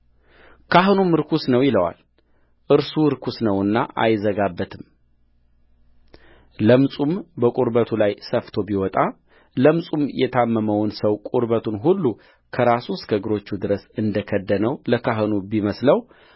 ካህኑም ርኩስ ነው ይለዋል እርሱ ርኩስ ነውና አይዘጋበትምለምጹም በቁርበቱ ላይ ሰፍቶ ቢወጣ ለምጹም የታመመውን ሰው ቁርበቱን ሁሉ ከራሱ እስከ እግሮቹ ድረስ እንደ ከደነው ለካህኑ ቢመስለው